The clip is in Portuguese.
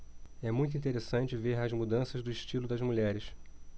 é muito interessante ver as mudanças do estilo das mulheres